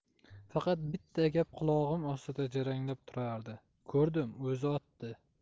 faqat bitta gap qulog'im ostida jaranglab turardi ko'rdim o'zi otdi